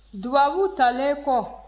dubabuw talen kɔ